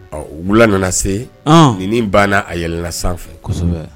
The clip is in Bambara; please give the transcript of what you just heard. Ɔ wula nana se nin banna a yɛlɛla sanfɛ